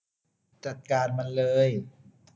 จัดการมันเลย